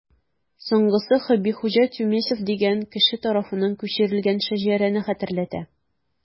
Соңгысы Хөббихуҗа Тюмесев дигән кеше тарафыннан күчерелгән шәҗәрәне хәтерләтә.